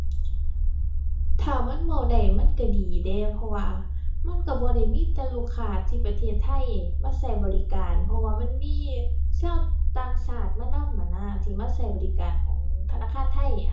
ถ้ามันเว้าได้มันก็ดีเดะ เพราะว่ามันก็บ่ได้มีแต่ลูกค้าที่ประเทศไทยมาก็บริการ เพราะว่ามันมีชาวต่างชาติมานำนั้นนะ ที่มาใช้บริการของธนาคารไทยอะ